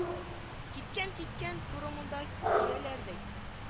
Киткән киткән туры монда киләләр ди